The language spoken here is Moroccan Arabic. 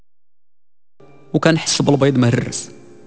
مكان حفظ البيض مر